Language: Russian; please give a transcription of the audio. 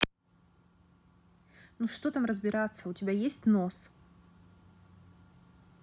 ну что там разбираться у тебя есть нос